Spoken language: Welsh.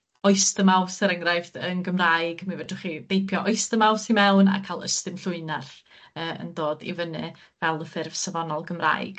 Oystermouth er enghraifft yn Gymraeg, mi fedrwch chi deipio Oystermouth i mewn a ca'l Ystum Llwynarth yy yn dod i fyny fel y ffurf safonol Gymraeg.